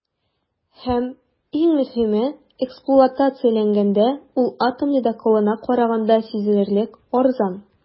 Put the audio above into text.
Һәм, иң мөһиме, эксплуатацияләгәндә ул атом ледоколына караганда сизелерлек арзан.